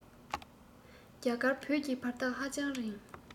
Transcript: རྒྱ གར བོད ཀྱི བར ཐག ཧ ཅང རིང